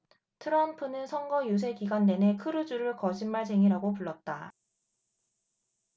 트럼프는 선거 유세 기간 내내 크루즈를 거짓말쟁이라고 불렀다